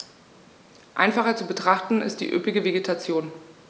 Einfacher zu betrachten ist die üppige Vegetation.